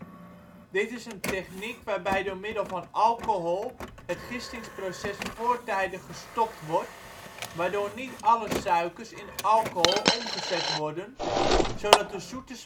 Dit is een techniek waarbij door middel van alcohol het gistingsproces voortijdig gestopt wordt waardoor niet alle suikers in alcohol omgezet worden, zodat de zoete